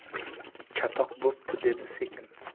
chatoq bo'pti dedi sekin